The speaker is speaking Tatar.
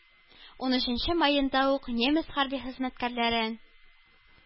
Унөченче маенда ук немец хәрби хезмәткәрләрен